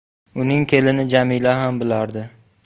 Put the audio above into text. uning kelini jamila ham bilardi